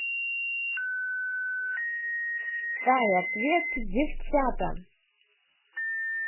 sky ответ девчата